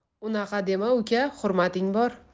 unaqa dema uka hurmating bor